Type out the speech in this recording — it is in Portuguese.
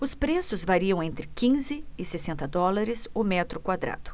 os preços variam entre quinze e sessenta dólares o metro quadrado